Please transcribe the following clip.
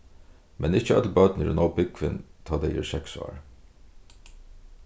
men ikki øll børn eru nóg búgvin tá tey eru seks ár